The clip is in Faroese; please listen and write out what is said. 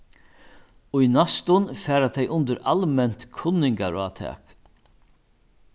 í næstum fara tey undir alment kunningarátak